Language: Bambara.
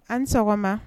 A ni sɔgɔma?